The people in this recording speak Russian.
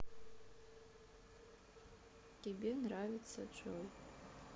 тебе нравится джой